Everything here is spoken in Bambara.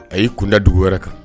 A y'i kun da dugu wɛrɛ kan.